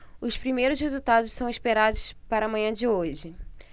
os primeiros resultados são esperados para a manhã de hoje